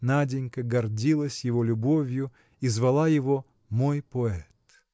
Наденька гордилась его любовью и звала его мой поэт.